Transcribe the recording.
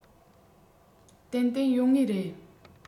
ཏན ཏན ཡོང ངེས རེད